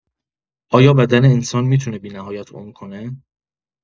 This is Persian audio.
آیا بدن انسان می‌تونه بی‌نهایت عمر کنه؟